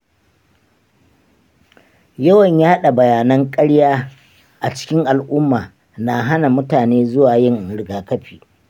yawan yaɗa bayanan karya a cikin al'umma na hana mutane zuwa yin rigakafi.